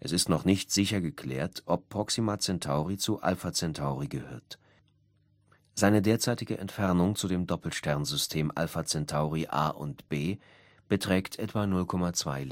ist noch nicht sicher geklärt, ob Proxima Centauri zu Alpha Centauri gehört. Seine derzeitige Entfernung zu dem Doppelsternsystem Alpha Centauri A und B beträgt etwa 0,2